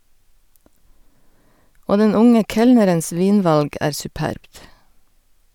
Og den unge kelnerens vinvalg er superbt.